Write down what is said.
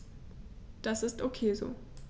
Das ist ok so.